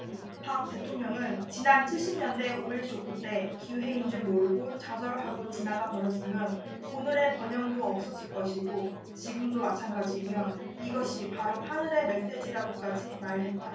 박 대통령은 지난 칠십 년대 오일쇼크 때 기회인 줄 모르고 좌절하고 지나가버렸으면 오늘의 번영도 없었을 것이고 지금도 마찬가지이며 이것이 바로 하늘의 메시지라고까지 말했다